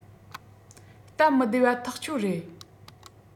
སྟབས མི བདེ བ ཐག ཆོད རེད